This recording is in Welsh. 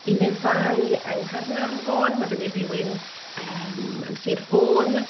un neu ddau yng Nghaernarfon, ma' 'da ni rhywun yym yn Sir Fôn,